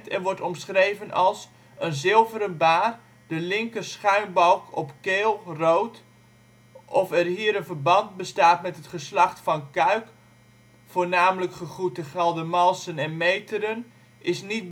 en wordt omschreven als " een zilveren baar, de linker schuinbalk, op keel, rood. Of er hier een verband bestaat met het geslacht Van Cuyk/Kuyk (voornamelijk gegoed te Geldermalsen en Meteren) is niet